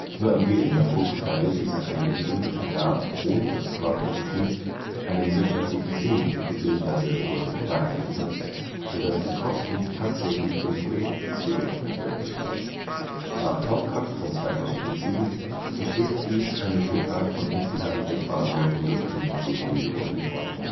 Nur ein geringer Bruchteil dieser Einrichtungen ergab ohne das Groundnut Scheme einen wirtschaftlichen Sinn bzw. wurde weiter genutzt, sodass die Kosten tatsächlich dem Projekt zugerechnet werden müssen. Nach heutiger (2007) Kaufkraft entspricht dies einem Betrag von insgesamt etwa 950 Millionen Euro